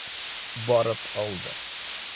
Барып алды.